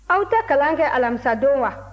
aw tɛ kalan kɛ alamisadon wa